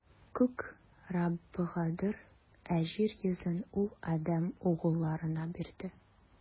Күк - Раббыгадыр, ә җир йөзен Ул адәм угылларына бирде.